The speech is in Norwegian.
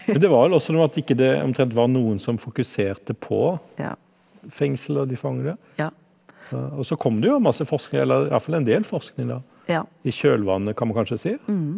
ja det var vel også noe at ikke det omtrent ikke var noen som fokuserte på fengselet og de fangene så også kom det jo masse eller iallfall en del forskning da i kjølvannet kan man kanskje si.